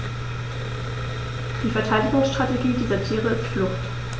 Die Verteidigungsstrategie dieser Tiere ist Flucht.